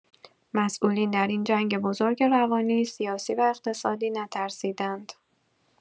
مسئولین در این جنگ بزرگ روانی، سیاسی و اقتصادی نترسیدند.